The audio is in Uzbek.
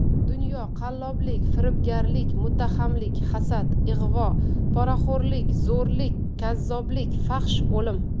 dunyo qalloblik firibgarlik muttahamlik hasad ig'vo poraxo'rlik zo'rlik kazzoblik fahsh o'lim